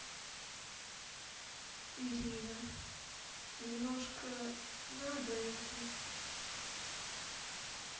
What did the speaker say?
ирина немножко надо это